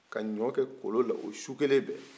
ka ɲɔ kɛ kolon na o su kelen bɛ